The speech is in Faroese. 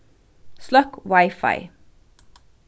sløkk wifi